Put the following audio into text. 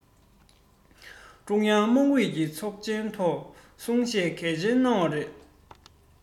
ཀྲུང དབྱང དམག ཨུད ཀྱི ཚོགས ཆེན ཐོག གསུང བཤད གལ ཆེན གནང བ རེད